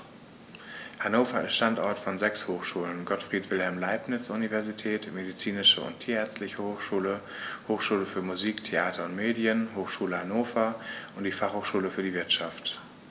Hannover ist Standort von sechs Hochschulen: Gottfried Wilhelm Leibniz Universität, Medizinische und Tierärztliche Hochschule, Hochschule für Musik, Theater und Medien, Hochschule Hannover und die Fachhochschule für die Wirtschaft.